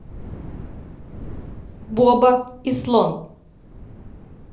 боба и слон